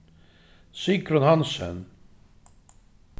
sigrun hansen